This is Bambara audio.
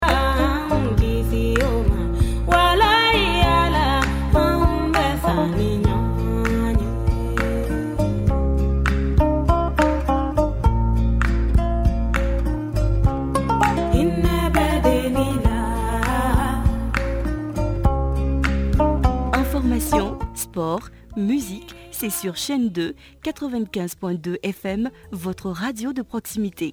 San wala' yalala bɛ san yo bɛ deli la fɔsiy misi sisiyɛn don kɛto bɛ kɛsp don e fɛ ma ft dɔgɔtɔrɔj de coti min ten